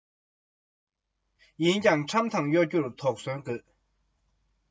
གཙང པོ མཁར གྱི དཀྱིལ ཞབས རྒྱུགས པ དེ